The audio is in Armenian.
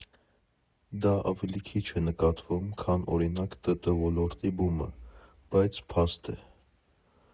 Դա ավելի քիչ է նկատվում, քան, օրինակ, ՏՏ ոլորտի բումը, բայց փաստ է։